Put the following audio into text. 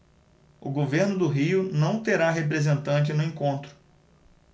o governo do rio não terá representante no encontro